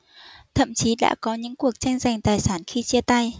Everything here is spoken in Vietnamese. thậm chí đã có những cuộc tranh giành tài sản khi chia tay